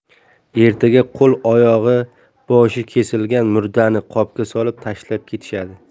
ertaga qo'l oyog'i boshi kesilgan murdani qopga solib tashlab ketishadi